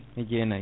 e jeenayyi